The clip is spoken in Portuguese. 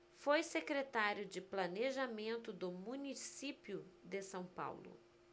foi secretário de planejamento do município de são paulo